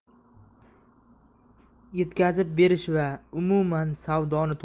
yetkazib berish va umuman savdoni to'liq